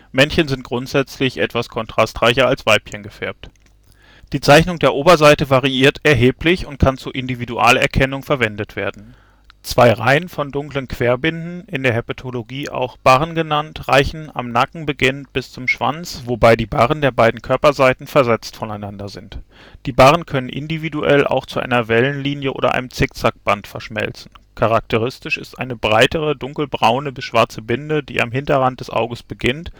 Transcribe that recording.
grundsätzlich etwas kontrastreicher als Weibchen gefärbt. Die Zeichnung der Oberseite variiert erheblich und kann zur Individualerkennung verwendet werden. Zwei Reihen von dunklen Querbinden, in der Herpetologie auch Barren genannt, reichen am Nacken beginnend bis zum Schwanz, wobei die Barren der beiden Körperseiten versetzt voneinander sind. Die Barren können individuell auch zu einer Wellenlinie oder einem Zickzackband verschmelzen. Charakteristisch ist eine breitere dunkelbraune bis schwarze Binde, die am Hinterrand des Auges beginnt